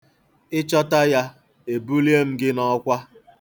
Ị chọta ya, ebulie m gị n'ọkwa.